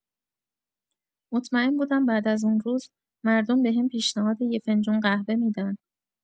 مطمئن بودم بعد از اون روز، مردم بهم پیشنهاد یه فنجون قهوه می‌دن